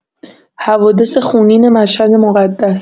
حوادث خونین مشهد مقدس